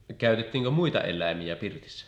käytettiinkö muita eläimiä pirtissä